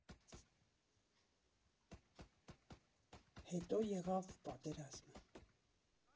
Հետո եղավ պատերազմը։